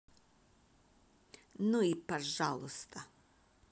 ну и пожалуйста